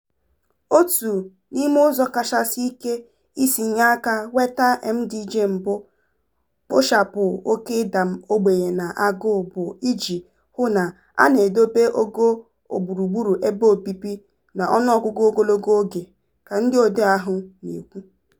"Otu n'ime ụzọ kachasị ike isi nye aka nweta MDG mbụ - kpochapụ oke ịda ogbenye na agụụ - bụ iji hụ na a na-edobe ogo gburugburu ebe obibi na ọnụọgụgụ ogologo oge," ka ndị odee ahụ na-ekwu.